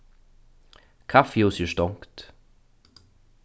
kaffihúsið er stongt